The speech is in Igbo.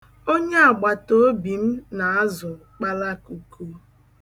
Onye agbatoobi m na-azụ kpalakuku.